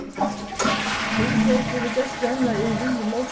húshjálpin og gestir hennara eru við í mótstøðuni